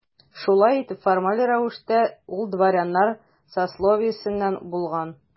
Шулай итеп, формаль рәвештә ул дворяннар сословиесеннән булган.